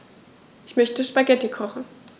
Ich möchte Spaghetti kochen.